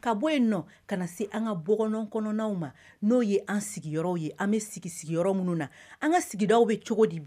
Ka bɔ yen nɔ ka na se an ka bɔ kɔnɔn ma n'o ye an ye an bɛ sigi sigiyɔrɔ minnu na an ka sigi bɛ cogo di bi